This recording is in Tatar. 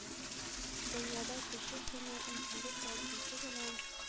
Дөньяда төче суның унсигез проценты белән